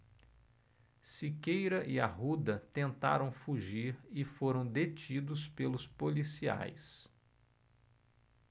siqueira e arruda tentaram fugir e foram detidos pelos policiais